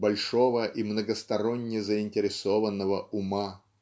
большого и многосторонне заинтересованного ума.